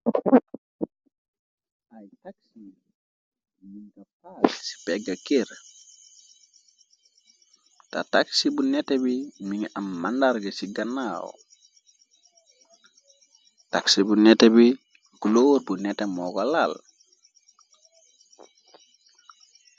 Ay taxi mi nga paal ci bégga kér té taxi bu netté bi mi nga am mandarg ci gannaaw taxi bu netté bi gloor bu netté moo kalaal.